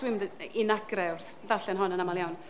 dwi'n mynd i i nagrau wrth ddarllen hon yn aml iawn.